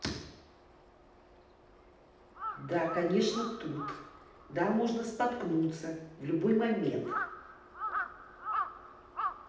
да конечно тут да можно споткнуться в любой момент